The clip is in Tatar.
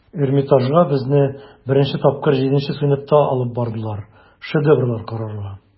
Эрмитажга безне беренче тапкыр җиденче сыйныфта алып бардылар, шедеврлар карарга.